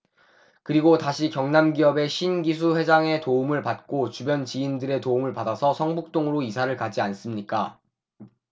그리고 다시 경남기업의 신기수 회장의 도움을 받고 주변 지인들의 도움을 받아서 성북동으로 이사를 가지 않습니까